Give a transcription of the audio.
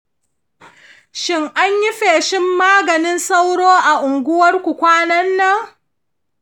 shin an yi feshin maganin sauro a unguwarku kwanan nan?